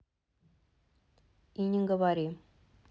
и не говори